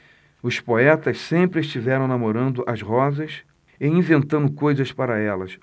os poetas sempre estiveram namorando as rosas e inventando coisas para elas